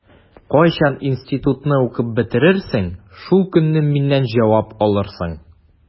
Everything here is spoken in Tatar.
Кайчан институтны укып бетерерсең, шул көнне миннән җавап алырсың.